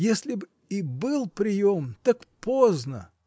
Если б и был прием, так поздно!